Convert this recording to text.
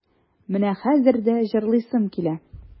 Менә хәзер дә җырлыйсым килә.